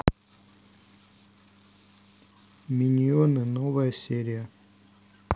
миньоны новая серия